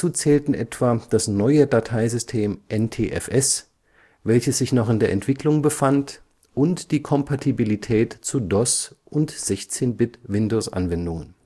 zählten etwa das neue Dateisystem NTFS, welches sich noch in der Entwicklung befand, und die Kompatibilität zu DOS - und 16-Bit-Windowsanwendungen